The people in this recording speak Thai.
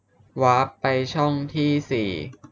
วาปไปช่องที่สี่